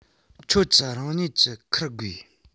ཁྱོད ཀྱིས རང ཉིད ཀྱིས འཁུར དགོས